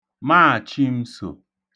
Maàchim̄sò